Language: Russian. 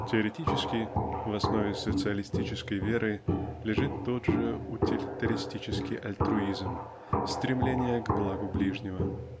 Теоретически в основе социалистической веры лежит тот же утилитаристический альтруизм -- стремление к благу ближнего